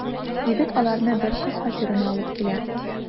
Егет аларны бер кыз фатирына алып килә.